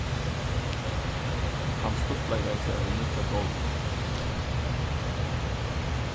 hann stuttleikaði sær við nýggja tólinum